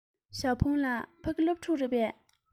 ཞའོ ཧྥུང ལགས ཕ གི སློབ ཕྲུག རེད པས